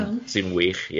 sy'n wych, ie.